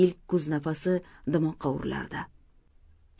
ilk kuz nafasi dimoqqa urilardi